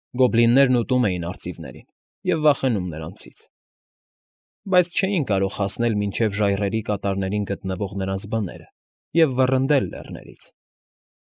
Գոբլիններն ուտում էին արծիվներին և վախենում նրանցից, բայց չէին կարող հասնել մինչև ժայռերի կատարներին գտնվող նրանց բները և վռնդել լեռներից։